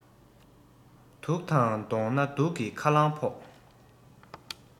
དུག དང བསྡོངས ན དུག གི ཁ རླངས ཕོག